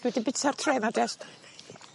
...dwi 'di bita'r tre 'ma jest.